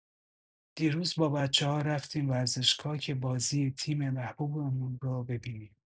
دیروز با بچه‌ها رفتیم ورزشگاه که بازی تیم محبوبمون رو ببینیم.